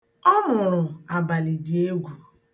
Ọ mụrụ abalịdịegwu.